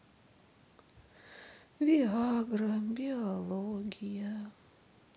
виагра биология